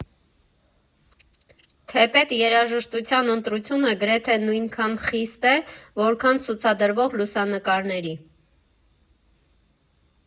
Թեպետ երաժշտության ընտրությունը գրեթե նույնքան խիստ է, որքան ցուցադրվող լուսանկարների։